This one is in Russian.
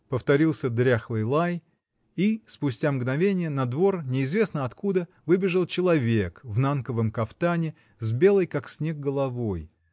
Повторился дряхлый лай, и, спустя мгновенье, на двор, неизвестно откуда, выбежал человек в нанковом кафтане, с белой как снег головой